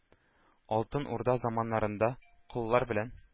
Алтын Урда заманнарында коллар белән